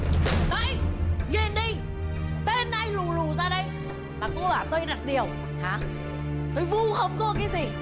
đấy nhìn đi tên ai lù lù ra đấy mà cô bảo tôi đặt điều tôi vu khống cô cái gì